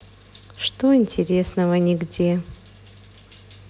что интересного нигде